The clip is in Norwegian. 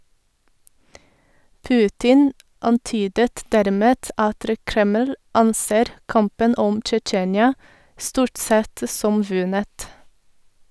Putin antydet dermed at Kreml anser kampen om Tsjetsjenia stort sett som vunnet.